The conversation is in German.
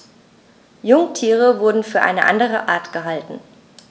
Jungtiere wurden für eine andere Art gehalten.